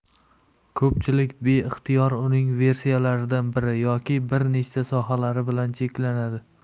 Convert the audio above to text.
ko'pchilik beixtiyor uning versiyalaridan biri yoki bir nechta sohalari bilan cheklanadi